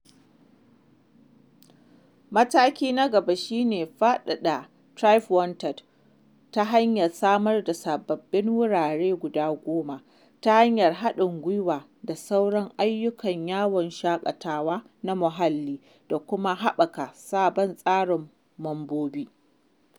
Mataki na gaba shine faɗaɗa TribeWanted ta hanyar samar da sababbin wurare guda 10, ta hanyar haɗin gwiwa da sauran ayyukan yawon shaƙatawa na muhalli da kuma haɓaka sabon tsarin mambobi.